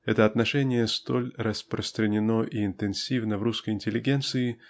Это отношение столь распространено и интенсивно в русской интеллигенции